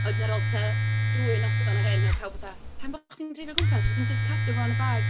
A wedyn ar ôl tua dwy noson o hyn, oedd pawb fatha, "pam bo' chdi'n dreifio o gwmpas? Fedri di'm jyst cadw fo yn y bag?"